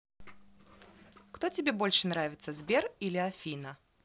кто тебе больше нравится сбер или афина